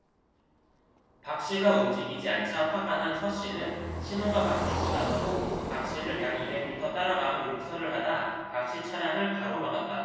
박씨가 움직이지 않자 화가 난 서씨는 신호가 바뀌고 나서도 박씨를 약 이백 미터 따라가며 욕설을 하다 박씨 차량을 가로막았다